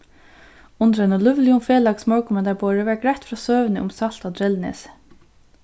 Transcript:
undir einum lívligum felags morgunmatarborði varð greitt frá søguni um salt á drelnesi